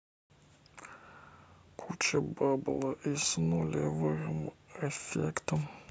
куча бабла и с нулевым эффектом